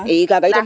i nda kaga itam